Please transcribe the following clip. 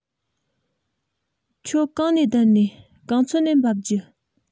ཁྱོད གང ནས བསྡད ནིས གང ཚོད ནས འབབ རྒྱུ